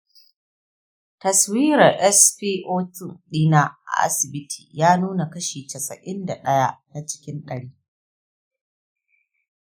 taswirar spo2 ɗina a asibiti ya nuna kashi casa'in da ɗaya na cikin ɗari.